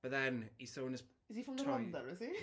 But then, he's thrown his toy-... Is he from the Rhondda, is he?*